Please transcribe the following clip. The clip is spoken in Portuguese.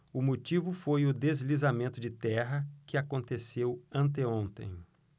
o motivo foi o deslizamento de terra que aconteceu anteontem